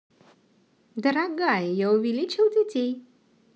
дорогая я увеличил детей